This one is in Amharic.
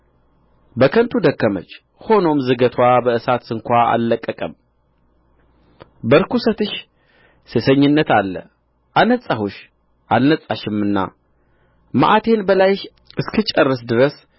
በከንቱ ደከመች ሆኖም ዝገትዋ በእሳት ስንኳ አልለቀቀም በርኵሰትሽ ሴሰኝነት አለ አነጻሁሽ አልነጻሽምና መዓቴን በላይሽ እስክጨርስ ድረስ